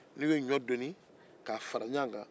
n'u ye ɲɔ in doni k'a fara ɲɔgɔ kan